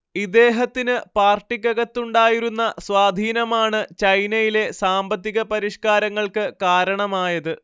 ഇദേഹത്തിന് പാർട്ടിക്കകത്തുണ്ടായിരുന്ന സ്വാധീനമാണ്ചൈനയിലെ സാമ്പത്തിക പരിഷ്കാരങ്ങൾക്ക് കാരണമായത്